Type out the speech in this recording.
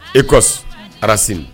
E ko ara sini